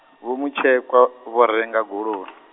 Vho Mutshekwa, vho renga goloi.